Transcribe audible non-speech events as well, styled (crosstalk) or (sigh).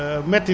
(hesitation) (hesitation)